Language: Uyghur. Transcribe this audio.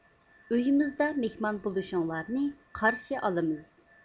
ئۆيىمىزدە مېھمان بولۇشۇڭلارنى قارشى ئالىمىز